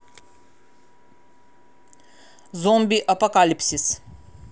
зомби апокалипсис